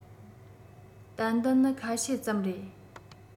ཏན ཏན ནི ཁ ཤས ཙམ རེད